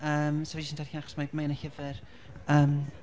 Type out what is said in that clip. Yym, so fi jyst yn darllen o achos mae mae yn y llyfr, yym.